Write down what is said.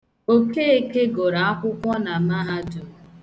Okeeke gụrụ akwụkwọ na mahadum.